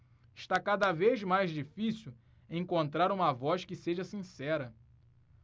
está cada vez mais difícil encontrar uma voz que seja sincera